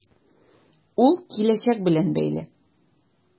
Ул киләчәк белән бәйле.